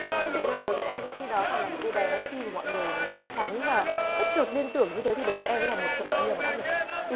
thực ra đối với em khi đó còn là một cô bé khi mà mọi người so sánh và bất chợt liên tưởng như thế thì đối với em là một thuận lợi hay là một áp lực